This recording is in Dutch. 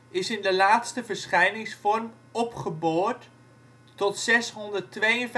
is in de laatste verschijningsvorm opgeboord tot 652